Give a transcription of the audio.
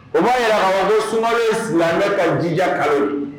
O'a ye araba suma silamɛmɛ ka jija kalo ye